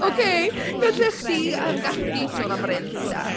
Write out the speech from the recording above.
Okay, galle chdi, yym, galle chdi sôn am yr Insta.